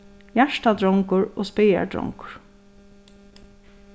hjartardrongur og spaðardrongur